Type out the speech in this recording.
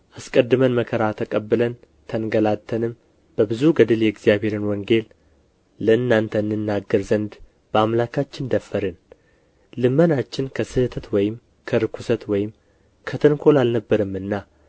አስቀድመን መከራ ተቀብለን ተንገላትተንም በብዙ ገድል የእግዚአብሔርን ወንጌል ለእናንተ እንናገር ዘንድ በአምላካችን ደፈርን ልመናችን ከስሕተት ወይም ከርኵሰት ወይም ከተንኰል አልነበረምና